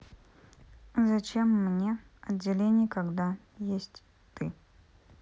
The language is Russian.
зачем мне отделение когда есть ты